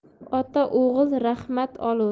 ota o'g'il rahmat olur